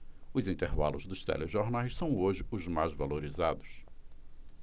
os intervalos dos telejornais são hoje os mais valorizados